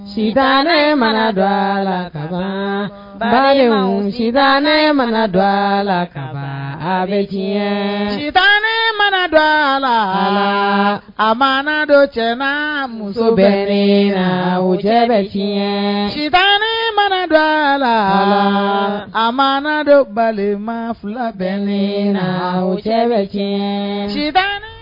Ne mana dɔ la ka bali ne mana dɔ la ka bɛ si mana dɔ la a ma dɔ cɛ muso bɛ na wo cɛ bɛɲɛ si ne mana dɔ la a ma dɔ balima fila bɛ ne na wo cɛ bɛ cɛ